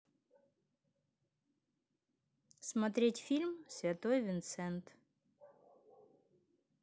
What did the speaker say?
смотреть фильм святой винсент